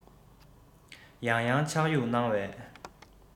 ཡང ཡང ཕྱག གཡུགས གནང ནས